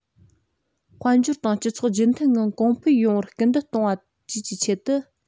དཔལ འབྱོར དང སྤྱི ཚོགས རྒྱུན མཐུད ངང གོང འཕེལ ཡོང བར སྐུལ འདེད གཏོང བ བཅས ཀྱི ཆེད དུ